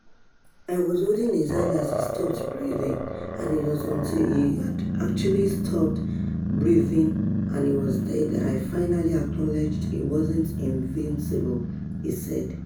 "I was holding his hand as he stopped breathing and it wasn't until he'd actually stopped breathing and he was dead that I finally acknowledged he wasn't invincible," he said.